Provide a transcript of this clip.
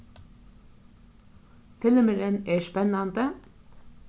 filmurin er spennandi